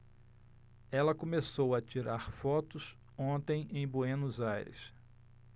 ela começou a tirar fotos ontem em buenos aires